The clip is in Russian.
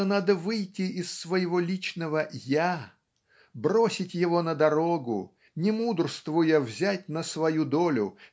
что надо выйти из своего личного я "бросить его на дорогу" не мудрствуя взять на свою долю